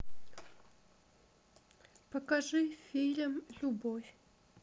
покажите фильм любовь